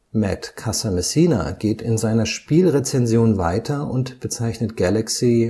Matt Casamassina geht in seiner Spielrezension weiter und bezeichnet Galaxy